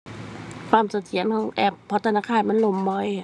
ความเสถียรของแอป เพราะธนาคารมันล่มบ่อย